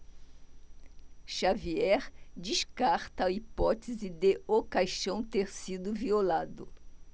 xavier descarta a hipótese de o caixão ter sido violado